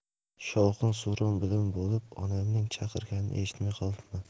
shovqin suron bilan bo'lib onamning chaqirganini eshitmay qolibman